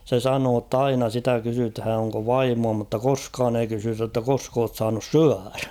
se sanoi että aina sitä kysytään onko vaimoa mutta koskaan ei kysytä että koska olet saanut syödä